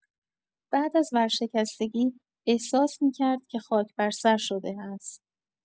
بعد از ورشکستگی، احساس می‌کرد که خاک بر سر شده است.